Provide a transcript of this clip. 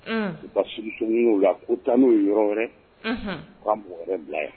U ka ssɔnw la' taa n'o ye yɔrɔ wɛrɛ ka mɔgɔ wɛrɛ bila yan